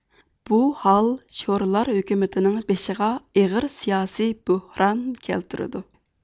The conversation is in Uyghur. بۇ ھال شورلار ھۆكۈمىتىنىڭ بېشىغا ئېغىر سىياسىي بۆھران كەلتۈرىدۇ